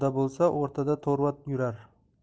bo'lsa o'rtada to'rva yurar